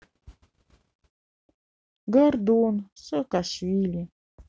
гордон саакашвили